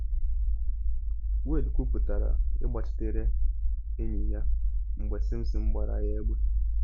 Wayde kwụpụtara ịgbachitere enyi ya mgbe Simpson gbara ya egbe.